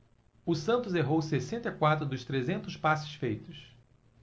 o santos errou sessenta e quatro dos trezentos passes feitos